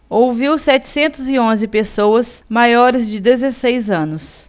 ouviu setecentos e onze pessoas maiores de dezesseis anos